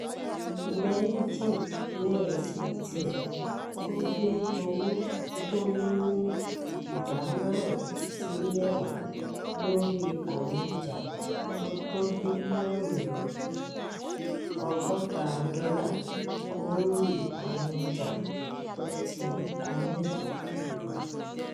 Beijing náà ṣe tiẹ̀. Ó gbé owó tó lé ní ìdá márùn-ún sí mẹ́wàá lorí àwọn ọjà to tó bílíọ́nù 60 dọ́là lórí àwọn ọjà tó ti Amẹ́ríkà wá.